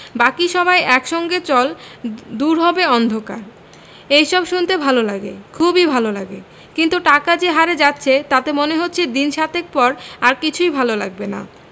বাকি সবাই এক সঙ্গে চল দূর হবে অন্ধকার এইসব শুনতে ভাল লাগে খুবই ভাল লাগে কিন্তু টাকা যে হারে যাচ্ছে তাতে মনে হচ্ছে দিন সাতেক পর আর কিছুই ভাল লাগবে না